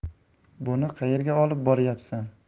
buni qayerga olib boryapsan